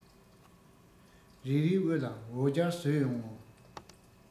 རིལ རིལ དབུ ལ འོ རྒྱལ བཟོས ཡོང ངོ